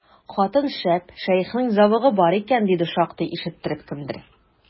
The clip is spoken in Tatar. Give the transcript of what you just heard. Хатын шәп, шәехнең зәвыгы бар икән, диде шактый ишеттереп кемдер.